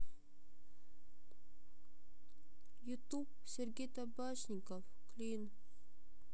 ютуб сергей табачников клин